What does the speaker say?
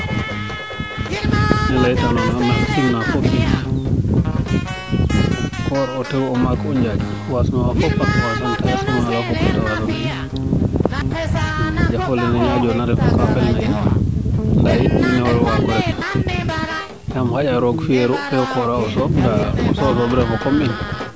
ne leyta noona o koor o tew o mak fo o njaaƴ waasnuwa fop xaq wasan ta yasam rooga wasana in o jafo lene ñanjona ref ka felna in nda it a waaga ref yaam xanja roog fee fi yeeru o yokoora o soɓ ndaa sosooɓ refo comme inn